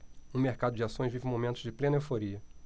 o mercado de ações vive momentos de plena euforia